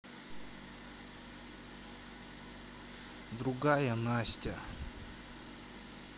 другая настя